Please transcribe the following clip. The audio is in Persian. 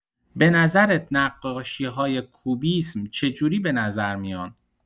به نظرت نقاشی‌های کوبیسم چه‌جوری به نظر می‌آن؟